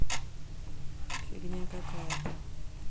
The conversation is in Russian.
фигня какая то